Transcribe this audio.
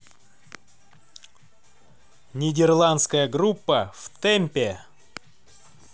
нидерландская группа в темпе